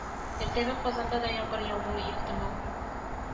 Иртәгә казанда да яңгыр явуы ихтимал